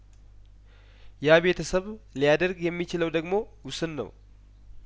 ያቤተሰብ ሊያደርግ የሚችለው ደግሞ ውስን ነው